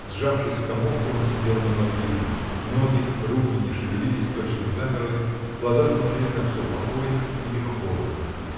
Сжавшись в комок, он сидел неподвижен: ноги, руки не шевелились, точно замерли, глаза смотрели на всё покойно или холодно.